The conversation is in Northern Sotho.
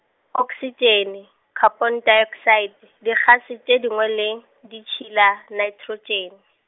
oksitšene, khapontaoksaete, digase tše dingwe le, ditšhila naetrotšene.